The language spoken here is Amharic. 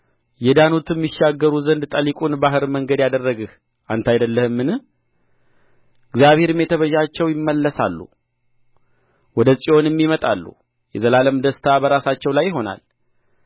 የዳኑትም ይሻገሩ ዘንድ ጠሊቁን ባሕር መንገድ ያደረግህ አንተ አይደለህምን እግዚአብሔርም የተቤዣቸው ይመለሳሉ ወደ ጽዮንም ይመጣሉ የዘላለምም ደስታ በራሳቸው ላይ ይሆናል